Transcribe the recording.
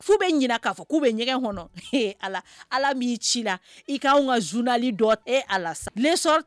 'u bɛ k'a fɔ k'u bɛ ɲɛgɛn alai i ka ka zli e ala sa